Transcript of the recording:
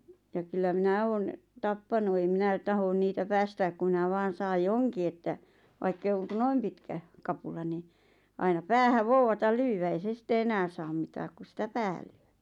ja kyllä minä olen tappanut ei minä tahdo niitä päästää kun minä vain saan johonkin että vaikka ei ole kuin noin pitkä kapula niin aina päähän vouvataan lyödä ei se sitten enää saa mitään kun sitä päähän lyö